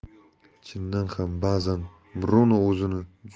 chindan ham ba'zan bruno o'zini